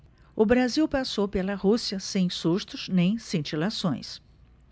o brasil passou pela rússia sem sustos nem cintilações